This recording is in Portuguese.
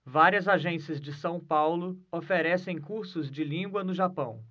várias agências de são paulo oferecem cursos de língua no japão